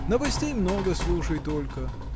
Новостей много, слушай только.